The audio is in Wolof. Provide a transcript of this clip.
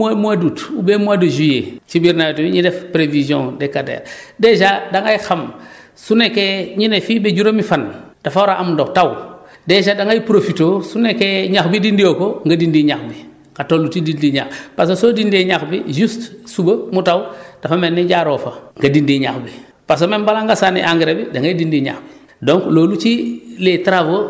léegi su ñu demee ñu ngi mois d' août oubien mois de juillet ci biir nawet bi ñu def prévision décadaire dèjà da ngay xam su nekkee ñu ne fii ba juróomi fan dafa war a am ndox taw dèjà da ngay profité su nekkee ñax bi dindi woo ko nga dindi ñax bi nga toll ci dindi ñax parce que soo dindee ñax bi juste suba mu taw dafa mel ni jaaroo fa nga dindi ñax bi parce que même balaa nga sànni engrais da ngay dindi ñax bi